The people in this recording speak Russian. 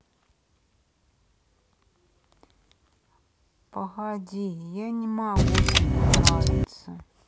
погоди я не могу тебе нравится